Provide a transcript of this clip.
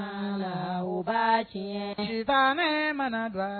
Sa ba tile faama manabila